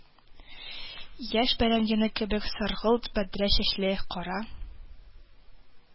Яшь бәрән йоны кебек саргылт бөдрә чәчле, кара